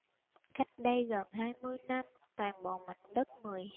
cách đây gần hai mươi năm toàn bộ mảnh đất mười